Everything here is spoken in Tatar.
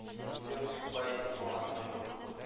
Минем сукбай булганым юк